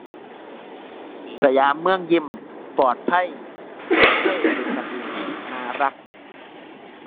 สยามเมืองยิ้ม ปลอดภัย คนไทยเป็นกันเอง น่ารัก